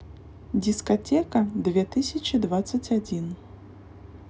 дискотека две тысячи двадцать один